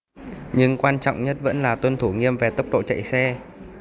nhưng quan trọng nhất vẫn là tuân thủ nghiêm về tốc độ chạy xe